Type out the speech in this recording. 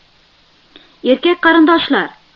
erkak qarindoshlar